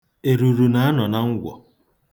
Eruru na-anọ na ngwọ.